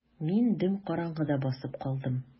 Мин дөм караңгыда басып калдым.